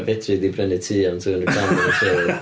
Fedri 'di prynu tŷ am two hundred grand .